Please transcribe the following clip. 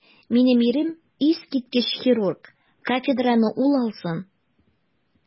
Минем ирем - искиткеч хирург, кафедраны ул алсын.